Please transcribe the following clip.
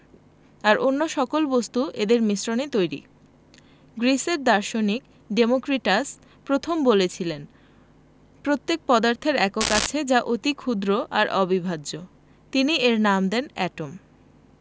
আর অন্য সকল বস্তু এদের মিশ্রণে তৈরি গ্রিসের দার্শনিক ডেমোক্রিটাস প্রথম বলেছিলেন প্রত্যেক পদার্থের একক আছে যা অতি ক্ষুদ্র আর অবিভাজ্য তিনি এর নাম দেন এটম